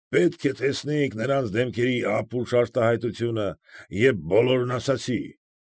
Պետք է տեսնեիք նրանց դեմքերի ապուշ արտահայտությունը, երբ բոլորը ասացի։